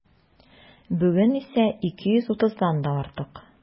Бүген исә 230-дан да артык.